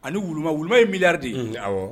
Ani wu wu in mi de